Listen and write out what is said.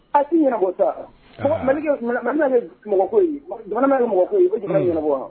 A tɛ ɲɛnabɔ sa, Mali mana kɛ mɔgɔ ye, un, jamana kɛ mɔgɔko ye, o jamana bɛ ɲɛnabɔ wa?